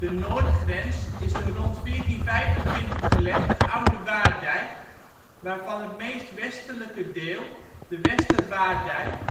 noordgrens is de rond 1425 gelegde oude Waarddijk, vaarvan het meest westelijke deel, de Wester Waarddijk